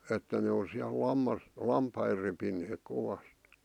että ne on siellä - lampaita repineet kovasti